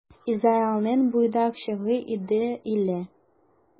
Изаилнең буйдак чагы иде әле.